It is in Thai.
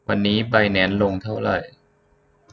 วันนี้ไบแนนซ์ลงเท่าไหร่